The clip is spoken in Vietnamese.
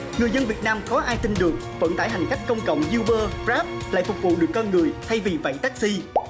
người dân việt nam khó ai tin được vận tải hành khách công cộng u bơ gờ ráp lại phục vụ được con người thay vì phải tắc xi